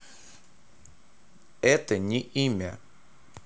это не имя